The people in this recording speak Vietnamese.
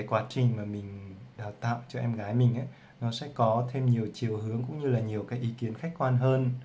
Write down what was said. để quá trình mình đào tạo cho em gái mình cho nhiều chiều hướng ý kiến khách quan hơn